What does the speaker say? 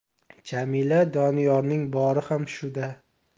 jamila doniyorning bori ham shuda